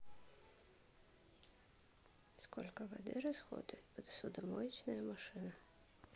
сколько воды расходует посудомоечная машина